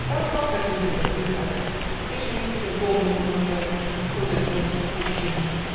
Там пахарь любит отдыхать, И жницы в волны погружать Приходят звонкие кувшины